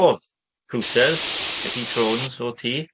O, trowsus. Ges i trôns o ti.